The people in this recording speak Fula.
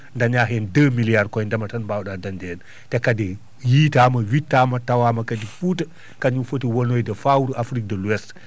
dañaa heen deux milliards koye ndema tan mbawɗa dañde heen te kadi yiitaama wittaama tawaama kadi Fouta kañum foti wonoyde fawru Afrique de L'ouest